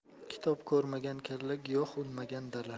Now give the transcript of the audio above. kitob ko'rmagan kalla giyoh unmagan dala